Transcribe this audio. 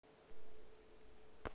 jennifer lopez